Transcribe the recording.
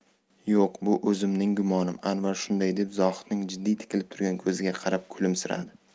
yo'q bu o'zimning gumonim anvar shunday deb zohidning jiddiy tikilib turgan ko'ziga qarab kulimsiradi